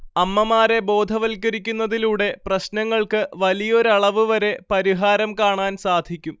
അമ്മമാരെ ബോധവൽക്കരിക്കുന്നതിലൂടെ പ്രശ്നങ്ങൾക്ക് വലിയൊരളവുവരെ പരിഹാരം കാണാൻ സാധിക്കും